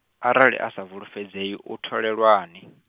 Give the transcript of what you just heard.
arali a sa fulufhedzei u tholelwani ?